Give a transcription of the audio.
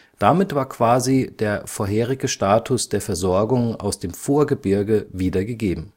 Damit war quasi der vorherige Status der Versorgung aus dem Vorgebirge wieder gegeben